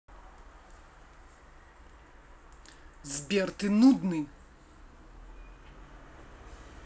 сбер ты нудный